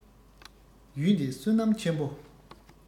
ཡུལ འདི བསོད ནམས ཆེན པོ